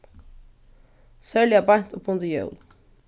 serliga beint upp undir jól